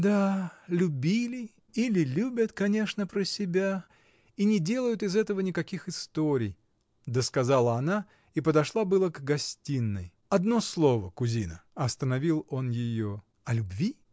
— Да, любили или любят, конечно, про себя, и не делают из этого никаких историй, — досказала она и пошла было к гостиной. — Одно слово, кузина! — остановил он ее. — О любви?